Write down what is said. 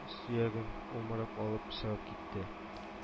Сөяген умырып алып чыгып китте